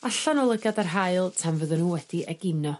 allan o lygad yr haul tan fydden n'w wedi egino.